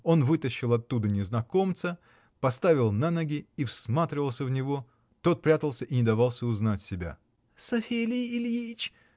Он вытащил оттуда незнакомца, поставил на ноги и всматривался в него, тот прятался и не давался узнавать себя. — Савелий Ильич!